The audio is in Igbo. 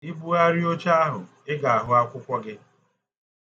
Ibugharịa oche ahụ, ị ga-ahụ akwụkwọ gị.